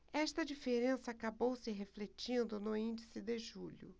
esta diferença acabou se refletindo no índice de julho